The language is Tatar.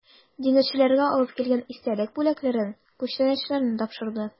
Диңгезчеләргә алып килгән истәлек бүләкләрен, күчтәнәчләрне тапшырды.